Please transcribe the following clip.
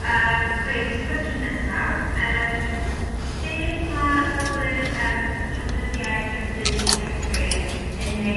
Iawn cŵl yym reit cwestiwn nesaf yym beth ma' safle ymm treftydiaeth y byd llechi yn ei